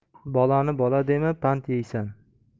bolani bola dema pand yeysan